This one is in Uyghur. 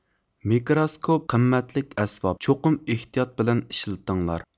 مىكروسكوپ قىممەتلىك ئەسۋاب چوقۇم ئېھتىيات بىلەن ئىشلىتىڭلار